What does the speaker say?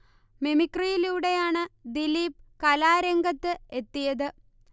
മിമിക്രിയിലൂടെയാണ് ദിലീപ് കലാരംഗത്ത് എത്തിയത്